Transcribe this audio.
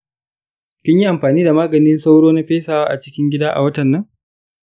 kinyi amfani da maganin sauro na pesawa a cikin gida a watan nan?